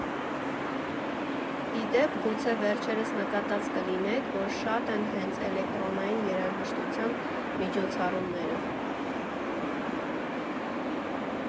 Ի դեպ, գուցե վերջերս նկատած կլինեք, որ շատ են հենց էլեկտրոնային երաժշտության միջոցառումները։